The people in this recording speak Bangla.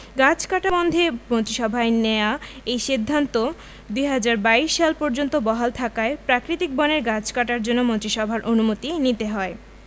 গাছ কাটা বন্ধে মন্ত্রিসভায় নেয়া এই সিদ্ধান্ত ২০২২ সাল পর্যন্ত বহাল থাকায় প্রাকৃতিক বনের গাছ কাটার জন্য মন্ত্রিসভার অনুমতি নিতে হয়